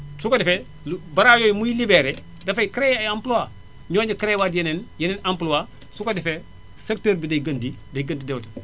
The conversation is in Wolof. su ko defee lu bras yooyu muy libéré dafay créer ay emplois ñooña créer waat yeneen yeneen emplois su ko defee secteur bi day gën di day gën di développé